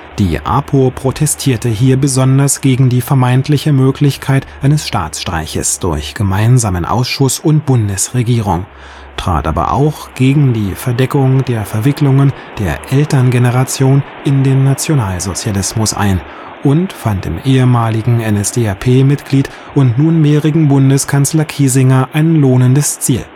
Die APO protestierte hier besonders gegen die vermeintliche Möglichkeit eines Staatsstreiches durch Gemeinsamen Ausschuss und Bundesregierung, trat aber auch gegen die Verdeckung der Verwicklungen der Elterngeneration in den Nationalsozialismus ein und fand im ehemaligen NSDAP-Mitglied und nunmehrigen Bundeskanzler Kiesinger ein lohnendes Ziel